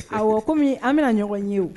Ɔwɔ! comme an bɛna ɲɔgɔn ye o!